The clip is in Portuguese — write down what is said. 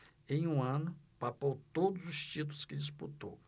em um ano papou todos os títulos que disputou